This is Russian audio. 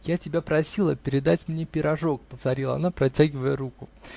-- Я тебя просила передать мне пирожок, -- повторила она, протягивая руку.